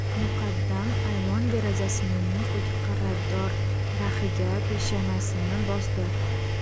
muqaddam ayvon derazasining muzdek qirrador raxiga peshanasini bosdi